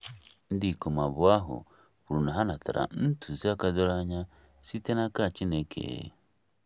Ndị ikom abụọ ahụ kwuru na ha natara ntụziaka doro anya site n'aka Chineke